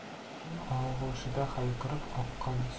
tun og'ushida hayqirib oqqan